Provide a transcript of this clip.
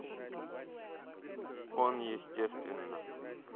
oh естественно